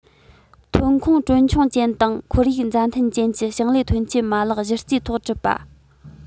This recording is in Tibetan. ཐོན ཁུངས གྲོན ཆུང ཅན དང ཁོར ཡུག མཛའ མཐུན ཅན གྱི ཞིང ལས ཐོན སྐྱེད མ ལག གཞི རྩའི ཐོག གྲུབ པ